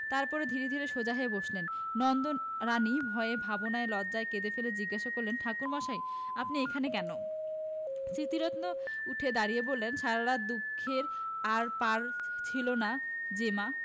তার পরে ধীরে ধীরে সোজা হয়ে বসলেন নন্দরানী ভয়ে ভাবনায় লজ্জায় কেঁদে ফেলে জিজ্ঞাসা করলেন ঠাকুরমশাই আপনি এখানে কেন স্মৃতিরত্ন উঠে দাঁড়িয়ে বললেন সারা রাত দুঃখের আর পার ছিল না যে মা